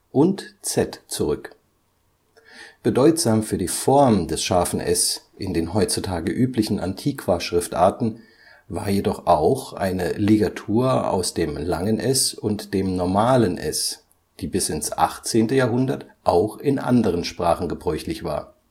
und z zurück. Bedeutsam für die Form des ß in den heutzutage üblichen Antiqua-Schriftarten war jedoch auch eine Ligatur aus langem ſ und s, die bis ins 18. Jahrhundert auch in anderen Sprachen gebräuchlich war